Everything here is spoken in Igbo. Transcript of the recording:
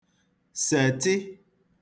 sètị